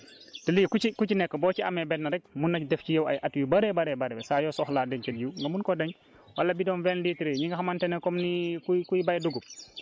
wala wala en tout cas daal motul dix mille franc njëgam te lii ku ci ku ci nekk boo ci amee benn rek mun nañ def ci yow ay at yu bëree bëri bëri saa yoo soxlaa denc jiw nga mun koo denc